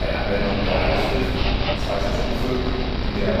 Anwendung der Eilschrift (zweite Stufe), in der